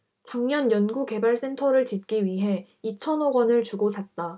작년 연구개발센터를 짓기 위해 이천 억원을 주고 샀다